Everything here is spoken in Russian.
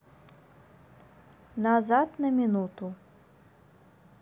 назад на минуту